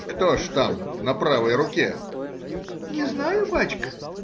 — Кто же там, на правой руке? — Не знаю, бачка.